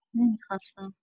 نمی‌خواستم.